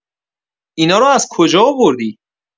اینا رو از کجا آوردی؟